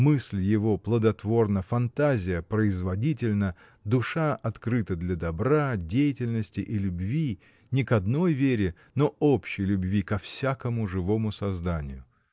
Мысль его плодотворна, фантазия производительна, душа открыта для добра, деятельности и любви — не к одной Вере, но общей любви ко всякому живому созданию.